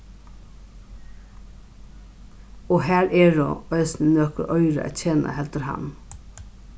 og har eru eisini nøkur oyru at tjena heldur hann